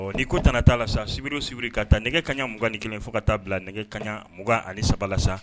Ni ko t taa la sa sibiru sibiri ka taa nɛgɛ kaɲaugan ni kelen fo ka taa bila nɛgɛ kaɲaugan ani sabala sa